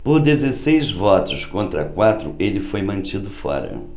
por dezesseis votos contra quatro ele foi mantido fora